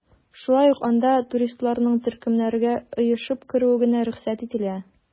Шулай ук анда туристларның төркемнәргә оешып керүе генә рөхсәт ителә.